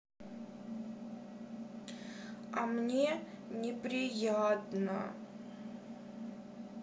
а мне неприятно